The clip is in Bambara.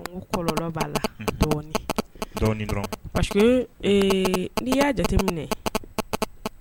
La n'i y'a jateminɛ